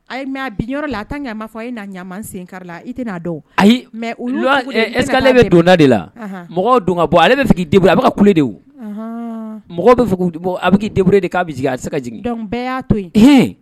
Ayi mɛ a bin yɔrɔ la a taa ŋ ma fɔ e na ɲa sen kari la i tɛna n'a dɔn ayi mɛ ese ale bɛ don de la mɔgɔ don ka bɔ ale bɛ k'bur a ka kule de mɔgɔ bɛ bɔ a bɛ kur de k' a bɛ se ka bɛɛ y'a to yen